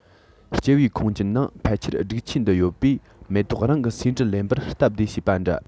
སྐྱེར པའི ཁོངས ཀྱི ནང ཕལ ཆེར སྒྲིག ཆས འདི ཡོད པས མེ ཏོག རང གི ཟེའུ འབྲུ ལེན པར སྟབས བདེ བྱས པ འདྲ